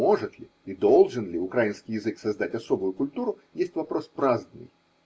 может ли и должен ли украинский язык создать осо бую культуру, есть вопрос праздный.